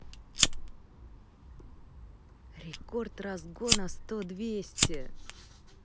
рекорд разгона сто двести